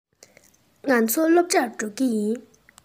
ང ཚོ སློབ གྲྭར འགྲོ གི ཡིན